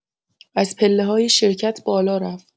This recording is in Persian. از پله‌های شرکت بالا رفت.